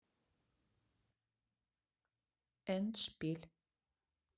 эндшпиль